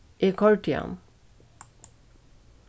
eg koyrdi hann